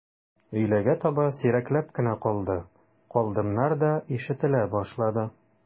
Өйләгә таба сирәкләп кенә «калды», «калдым»нар да ишетелә башлады.